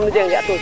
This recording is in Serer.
nange yaq wa tamit